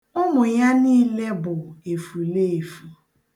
Ụmụ ya niile bụ efuleefu.